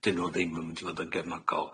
dyn nhw ddim yn mynd i fod yn gefnogol.